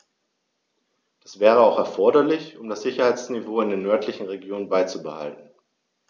Das wäre auch erforderlich, um das Sicherheitsniveau in den nördlichen Regionen beizubehalten.